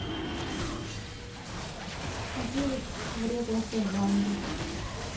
гелик врезался в ламбу